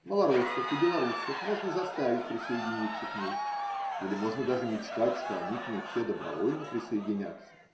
Малороссов и белоруссов можно заставить присоединиться к ней, или можно даже мечтать, что они к ней все добровольно присоединятся